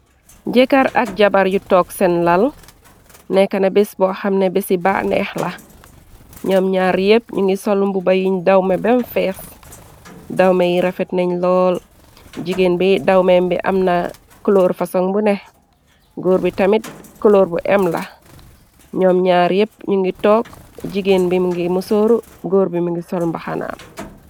Jeekaar ak jabar yu took seen lal, nekana bis boo xamne bisi ba neex la. Noom ñaar yépp ñu ngi solumbu ba yiñ dawme bem fees, dawme yi rafet nañ lool. Jigeen bi dawmem bi amna koloor fasoŋ bu ne, góor bi tamit kolóor bu em la, ñoom ñaar yépp ñu ngi tog jigéen bi ngi musoor, góor bim ngi solumba xanaam.